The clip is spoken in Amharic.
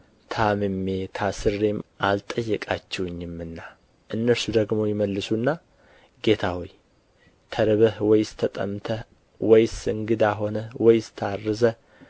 ታምሜ ታስሬም አልጠየቃችሁኝምና እነርሱ ደግሞ ይመልሱና ጌታ ሆይ ተርበህ ወይስ ተጠምተህ ወይስ እንግዳ ሆነህ ወይስ ታርዘህ